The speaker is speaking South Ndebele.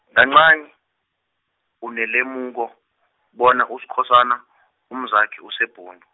kancani, unelemuko, bona Uskhosana , umzakhe useBhundu.